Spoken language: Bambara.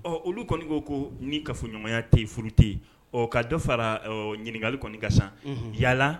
Ɔ olu kɔni ko ko ni kafoɲɔgɔnya tɛ furu tɛ yen ɔ ka dɔ fara ɲininkali kɔni ka sa yalala